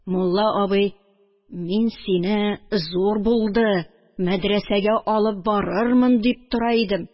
Мулла абый: – Мин сине зур булды, мәдрәсәгә алып барырмын дип тора идем